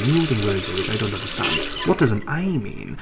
You're using words here which I don't understand. What does an eye mean?